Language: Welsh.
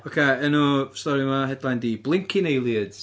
Ocê, enw stori yma, headline 'di Blinking Aliens.